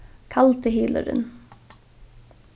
kaldi hylurin